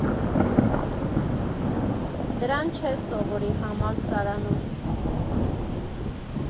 Դրան չես սովորի համալսարանում։